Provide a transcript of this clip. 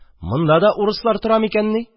– монда да урыслар тора микәнни?